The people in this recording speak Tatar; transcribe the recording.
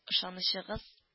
Ышанычыгыз